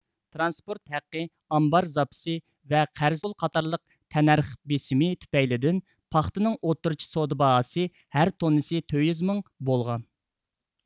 ترانسپورت ھەققى ئامبار زاپىسى ۋە قەرز پۇل قاتارلىق تەننەرخ بېسىمى تۈپەيلىدىن پاختىنىڭ ئوتتۇرىچە سودا باھاسى ھەرتوننىسى تۆت يۈز مىڭ بولغان